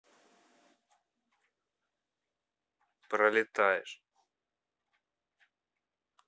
пролетаешь